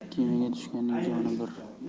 kemaga tushganning joni bir